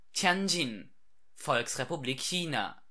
Tianjin, Volksrepublik China